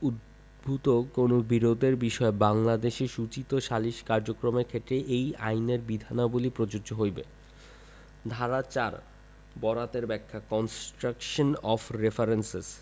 উদ্ভুত কোন বিরোধের বিষয়ে বাংলাদেশে সূচিত সালিস কার্যক্রমের ক্ষেত্রে এই আইনের বিধানাবলী প্রযোজ্য হইবে ধারা ৪ বরাতের ব্যাখ্যা কন্সট্রাকশন অফ রেফারেঞ্চেস